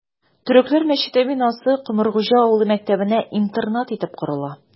Төрекләр мәчете бинасы Комыргуҗа авылы мәктәбенә интернат итеп корыла...